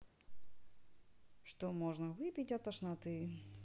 что можно выпить от тошноты